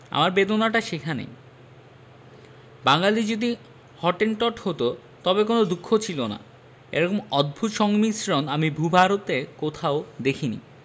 আমার বেদনাটা সেইখানে বাঙালী যদি হটেনটট হত তবে কোন দুঃখ ছিল না এরকম অদ্ভুত সংমিশ্রণ আমি ভূ ভারতে কোথাও দেখি নি